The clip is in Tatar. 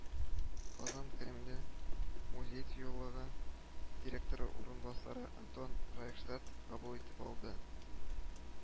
“казан кремле” музей тыюлыгы директоры урынбасары антон райхштат кабул итеп алды